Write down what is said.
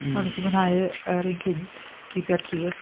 O'n i 'di mwynhau yr un cynt, hi bua'r ci.